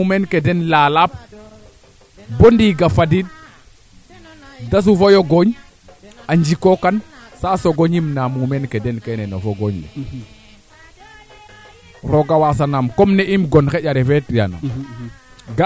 Djiby jegiim ɓasi o jeg ɓasi duufa bo njut yoqndaa ɓasi ngir roog bo seetuwo jikwaam kilo sept "cent franc a refa nga yee koy ko ret'u marché kaa jeka stocke a pour